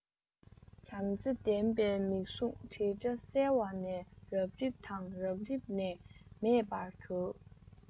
བྱམས བརྩེ ལྡན པའི མིག ཟུང དྲིལ སྒྲ གསལ བ ནས རབ རིབ དང རབ རིབ ནས མེད པར གྱུར